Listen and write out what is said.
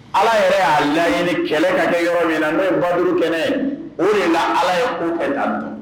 Ala yɛrɛ y'a laɲini kɛlɛ ka kɛ yɔrɔ min na n'o bauru kɛlɛ o de la ala ye la